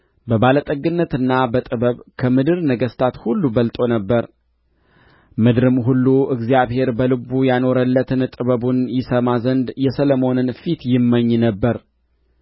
በባለጠግነትና በጥበብ ከምድር ነገሥታት ሁሉ በልጦ ነበር ምድርም ሁሉ እግዚአብሔር በልቡ ያኖረለትን ጥበቡን ይሰማ ዘንድ የሰሎሞንን ፊት ይመኝ ነበር